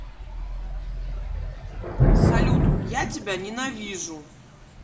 салют я тебя ненавижу